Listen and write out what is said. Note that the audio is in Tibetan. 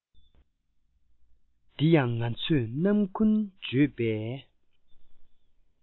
འདི ཡང ང ཚོས རྣམ ཀུན བརྗོད པའི